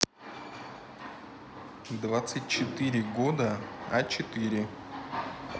двадцать четыре года а четыре